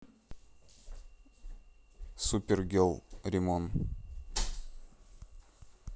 супергел ремон